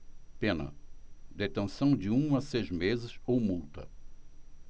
pena detenção de um a seis meses ou multa